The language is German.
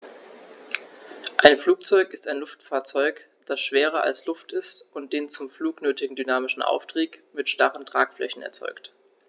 Ein Flugzeug ist ein Luftfahrzeug, das schwerer als Luft ist und den zum Flug nötigen dynamischen Auftrieb mit starren Tragflächen erzeugt.